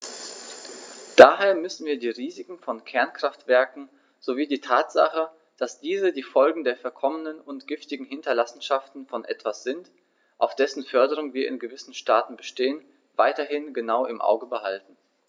Daher müssen wir die Risiken von Kernkraftwerken sowie die Tatsache, dass diese die Folgen der verkommenen und giftigen Hinterlassenschaften von etwas sind, auf dessen Förderung wir in gewissen Staaten bestehen, weiterhin genau im Auge behalten.